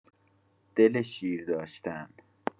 دل شیر داشتن